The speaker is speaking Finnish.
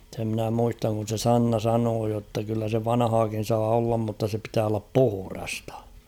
sen minä muistan kun se Sanna sanoi jotta kyllä se vanhaakin saa olla mutta se pitää olla puhdasta